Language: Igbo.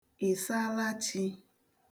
ị̀saalachī